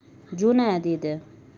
jo'na dedi